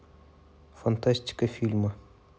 фантастика фильмы